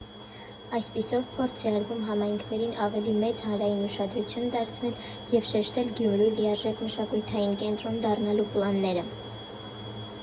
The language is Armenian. Այսպիսով փորձ է արվում համայնքներին ավելի մեծ հանրային ուշադրություն դարձնել և շեշտել Գյումրու՝ լիարժեք մշակութային կենտրոն դառնալու պլանները։